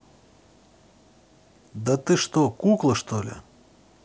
да ты что кукла что ли